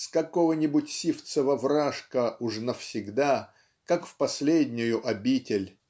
с какого-нибудь Сивцева Вражка уж навсегда как в последнюю обитель